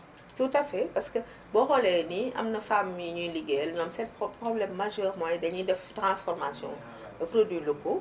tout à fait parce que boo xoolee nii am na femme yu ñuy liggéeyal ñoom seen problème majeure mooy dañuy def transformation produits locaux